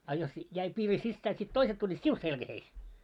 ja jos jäi piiri sisään sitten toiset tulivat sinun selkääsi